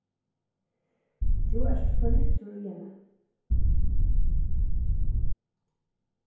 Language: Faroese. tú ert forliptur í henni